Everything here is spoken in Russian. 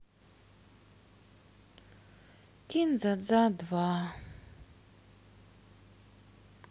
кин дза дза два